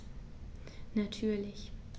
Natürlich.